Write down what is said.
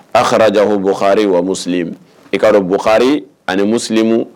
Akrajabu Albukaari wa Muslem _i kaa bukari ani musimu